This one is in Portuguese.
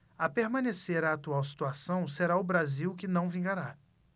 a permanecer a atual situação será o brasil que não vingará